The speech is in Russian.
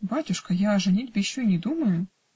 -- Батюшка, я о женитьбе еще не думаю.